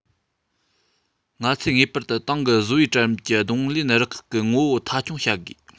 ང ཚོས ངེས པར དུ ཏང གི བཟོ པའི གྲལ རིམ གྱི གདོང ལེན རུ ཁག གི ངོ བོ མཐའ འཁྱོངས བྱ དགོས